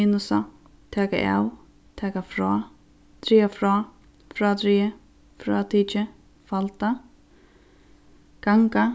minusa taka av taka frá draga frá frádrigið frátikið falda ganga